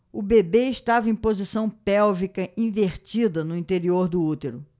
o bebê estava em posição pélvica invertida no interior do útero